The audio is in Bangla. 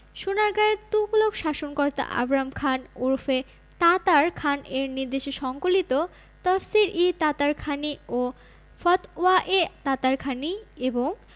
সোনারগাঁয়ের তুগলক শাসনকর্তা আবরাম খান ওরফে তাতার খানএর নির্দেশে সংকলিত তফসির ই তাতারখানী ও ফতওয়ায়ে তাতারখানী এবং